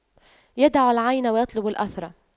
يدع العين ويطلب الأثر